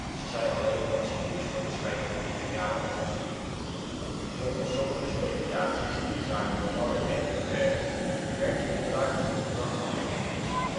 Ze zei alleen dat ze Hughes voor de scheiding in geen jaren had gezien. Volgens sommige speculaties inzake de Watergate-affaire werd de inbraak in opdracht van Richard Nixons medewerkers